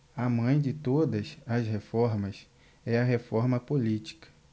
a mãe de todas as reformas é a reforma política